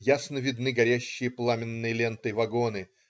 Ясно видны горящие пламенной лентой вагоны.